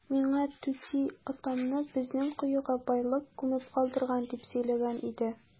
Миңа түти атамны безнең коега байлык күмеп калдырган дип сөйләгән иде.